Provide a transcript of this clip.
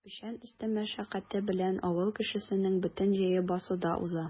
Печән өсте мәшәкате белән авыл кешесенең бөтен җәе басуда уза.